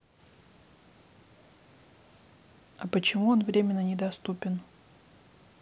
а почему он временно недоступен